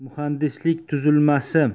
muhandislik tuzilmasi